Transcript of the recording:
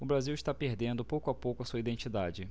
o brasil está perdendo pouco a pouco a sua identidade